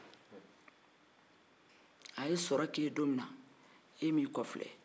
a ye sɔrɔ kɛ e ye don min na ni e m'i kɔfilɛ